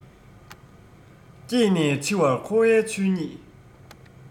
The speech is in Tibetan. སྐྱེས ནས འཆི བ འཁོར བའི ཆོས ཉིད